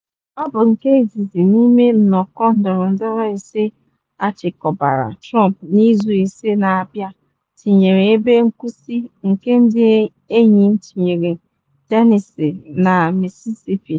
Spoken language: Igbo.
Ọ bụ nke izizi n’ime nnọkọ ndọrọndọrọ ise achịkọbara Trump n’izu ise na-abịa, tinyere ebe nkwụsị nke ndị enyi tinyere Tennessee na Mississippi.